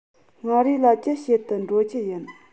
མངའ རིས ལ ཅི བྱེད དུ འགྲོ རྒྱུ ཡིན